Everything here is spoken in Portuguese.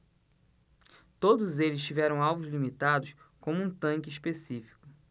todos eles tiveram alvos limitados como um tanque específico